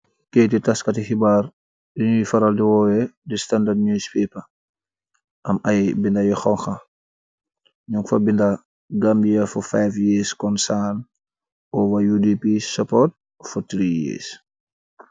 Keyti taskati xibaar yuñuy faral di woowe di standard newspaper am ay binday xanka ñon fa binda gamiye fu f yees kon saan ova udp support fo tre yees.